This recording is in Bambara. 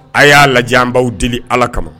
A ya lajɛ an baw deli ala kama.